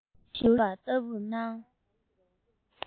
འགྱུར བཞིན པ ལྟ བུར སྣང